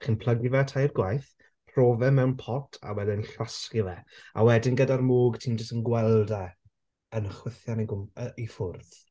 Chi'n plygu fe tair gwaith rho fe mewn pot a wedyn llosgi fe. A wedyn gyda'r mwg ti'n jyst yn gweld e yn chwythian o gw- yy i ffwrdd.